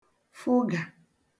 fụgà